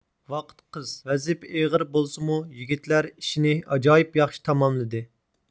ۋاقىت قىس ۋەزىپە ئېغىر بولسىمۇ يىگىتلەر ئىشنى ئاجايىپ ياخشى تاماملىدى